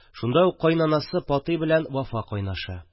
Шунда ук каенанасы Патый белән Вафа кайнаша.